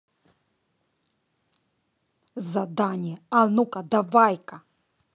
задание а ну ка давай ка